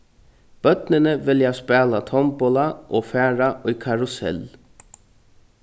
børnini vilja spæla tombola og fara í karrusell